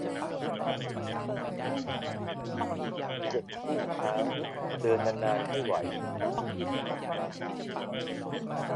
เจ็บอุ้งเท้าเดินนานนานไม่ไหว